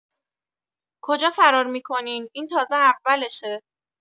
کجا فرار می‌کنین این تازه اولشه.